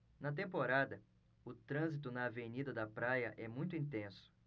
na temporada o trânsito na avenida da praia é muito intenso